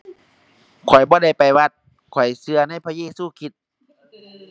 ข้อยบ่ได้ไปวัด ข้อยเชื่อในพระเยซูคริสต์